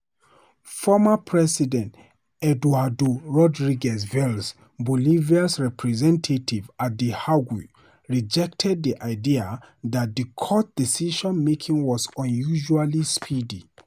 Former president Eduardo Rodríguez Veltzé, Bolivia's representative at The Hague, rejected the idea that the court's decision-making was unusually speedy.